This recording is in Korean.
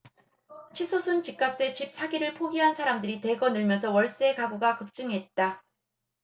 치솟은 집값에 집사기를 포기한 사람들이 대거 늘면서 월세 가구가 급증했다